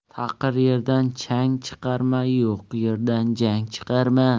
taqir yerdan chang chiqarma yo'q yerdan jang chiqarma